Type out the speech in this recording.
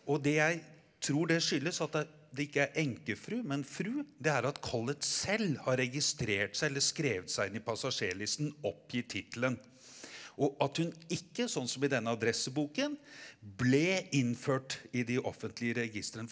og det jeg tror det skyldes at det ikke er enkefru men fru, det er at Collett selv har registrert seg eller skrevet seg inn i passasjerlisten oppgitt tittelen, og at hun ikke sånn som i denne adresseboken ble innført i de offentlige registrene.